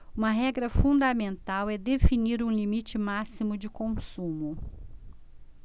uma regra fundamental é definir um limite máximo de consumo